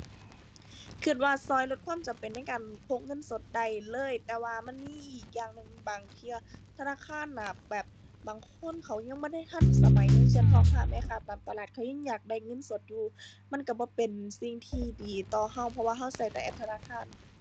คิดว่าคิดลดความจำเป็นในการพกเงินสดได้เลย แต่ว่ามันมีอีกอย่างหนึ่ง บางเทื่อธนาคารน่ะ แบบ บางคนเขายังบ่ได้ทันสมัย อย่างเช่น พ่อค้า แม่ค้า ตามตลาดเขายังอยากได้เงินสดอยู่ มันคิดบ่เป็นสิ่งที่ดีต่อคิด เพราะว่า คิดคิดแต่แอปธนาคาร